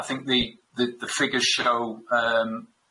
I think the the the figures show yym